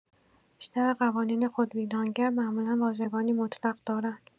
بیشتر قوانین خودویرانگر معمولا واژگانی مطلق دارند.